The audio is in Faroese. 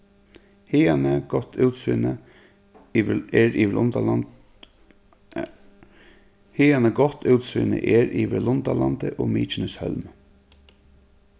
haðani gott útsýni er yvir lundalandið og mykineshólm